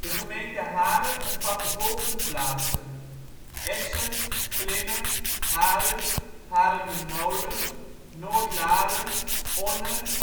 gemeente Haren omvat de volgende plaatsen: Essen, Glimmen, Haren, Harendermolen, Noordlaren, Onnen